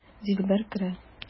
Дилбәр керә.